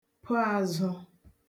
po àzụ